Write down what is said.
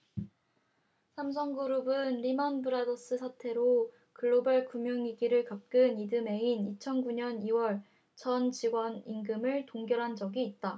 삼성그룹은 리먼브라더스 사태로 글로벌 금융위기를 겪은 이듬해인 이천 구 년 이 월 전 직원 임금을 동결한 적이 있다